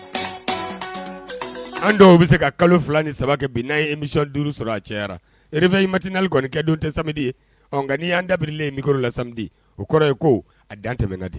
An dɔw bɛ se ka kalo fila ni saba kɛ bin n ye imisɔn duuru sɔrɔ a cɛ rp inmati naanili kɔni kɛ don tɛ sam' an dabirilen bikoro lamdi o kɔrɔ ye ko a dan tɛmɛ di